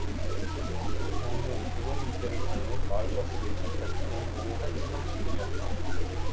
성북구 정릉 이 동 일대를 다니는 마을버스의 첫 배차는 오후 한 시 삼십 분이었다